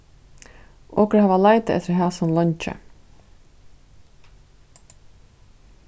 okur hava leitað eftir hasum leingi